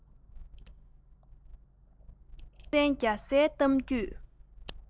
སྲོང བཙན རྒྱ བཟའི གཏམ རྒྱུད